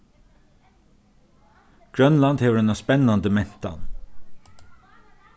grønland hevur eina spennandi mentan